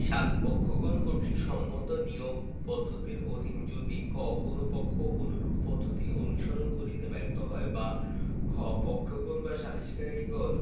৭ পক্ষগণ কর্তৃক সম্মত নিয়োগ পদ্ধতির অধীন যদি ক কোন পক্ষ অনুরূপ পদ্ধতি অনুসরণ করিতে ব্যর্থ হয় বা খ পক্ষগণ বা সালিসকারীগণ